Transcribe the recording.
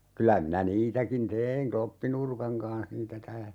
kyllä minä niitäkin tein kloppinurkan kanssa niitä täällä